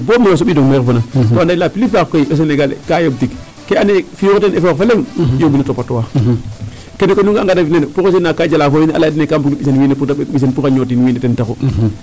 Tiye gar boo mene a soɓidong me refoona to ande la plus part koy o séngalais ka yooɓ tig ke andoona ye fi'iro teen effort fa leŋ yooɓino o topatwaa .Kene koy nu nga'anga ta fi' nene projet ne kaa jala fo wiin we a laya dene kam bug nu ɓisan wiin we pour da ɓisin a ñotin wiin we ten taxu.